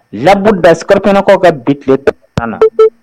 La bɛsɔrikɛnɛkaw ka bi tile to na